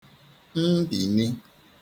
mbìni